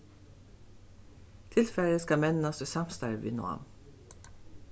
tilfarið skal mennast í samstarvi við nám